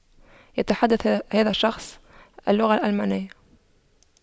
يتحدث هذا الشخص اللغة الألمانية